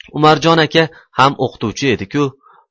umarjon aka ham o'qituvchi edi ku